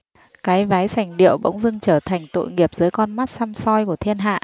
cái váy sành điệu bỗng dưng trở thành tội nghiệp dưới con mắt săm soi của thiên hạ